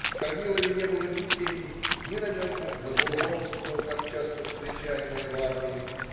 В Корнилове не было ни тени, ни намека на бурбонство, так часто встречаемое в армии.